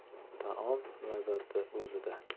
taom lazzati o'zida